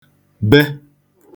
be